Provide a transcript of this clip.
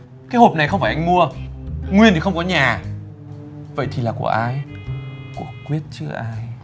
cái hộp này không phải anh mua nguyên thì không có nhà vậy thì là của ai của quyết chứ ai